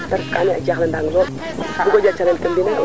xota nga a paana le o jura nga na gefa tikorik ke to a waga yaqa den